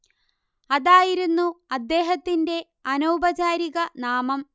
അതായിരുന്നു അദ്ദേഹത്തിന്റെ അനൗപചാരികനാമം